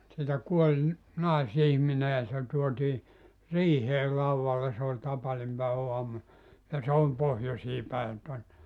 sieltä kuoli naisihminen ja se tuotiin riiheen laudalle se oli tapaninpäiväaamu ja se oli pohjoiseen päin tuonne